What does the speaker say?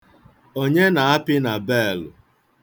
Onye na-apịa na beelụ